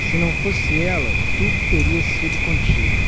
se não fosse ela tudo teria sido com tito